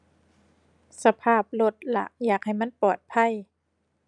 สภาพรถล่ะ อยากให้มันปลอดภัย